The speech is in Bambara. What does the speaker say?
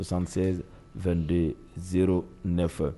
Kusansɛn2de z ne fɛ